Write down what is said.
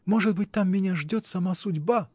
— Может быть, там меня ждет сама судьба.